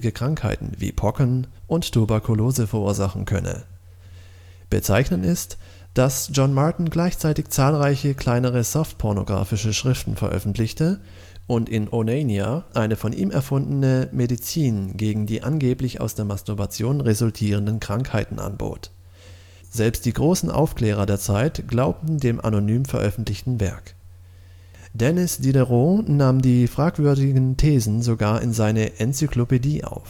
Krankheiten wie Pocken und Tuberkulose verursachen könne. Bezeichnend ist, dass John Marten gleichzeitig zahlreiche kleinere softpornografische Schriften veröffentlichte und in Onania eine von ihm erfundene „ Medizin “gegen die angeblich aus der Masturbation resultierenden Krankheiten anbot. Selbst die großen Aufklärer der Zeit glaubten dem anonym veröffentlichten Werk. Denis Diderot nahm die fragwürdigen Thesen sogar in seine Encyclopédie auf